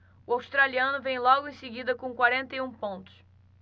o australiano vem logo em seguida com quarenta e um pontos